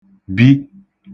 -bi